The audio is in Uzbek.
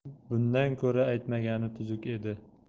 bundan ko'ra aytmagani tuzuk edi